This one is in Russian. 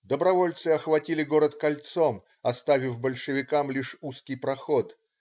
Добровольцы охватили город кольцом, оставив большевикам лишь узкий проход.